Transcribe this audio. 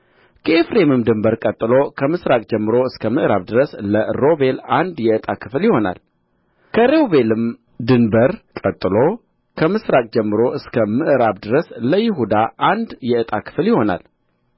ከኤፍሬምም ድንበር ቀጥሎ ከምሥራቅ ጀምሮ እስከ ምዕራብ ድረስ ለሮቤል አንድ የዕጣ ክፍል ይሆናል ከሮቤልም ድንበር ቀጥሎ ከምሥራቅ ጀምሮ እስከ ምዕራብ ድረስ ለይሁዳ አንድ የዕጣ ክፍል ይሆናል